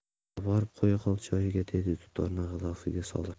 oborib qo'ya qol joyiga dedi dutorni g'ilofga solib